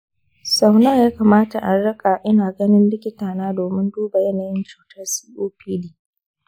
sau nawa ya kamata in riga ina ganin likitana domin duba yanayin cutar copd?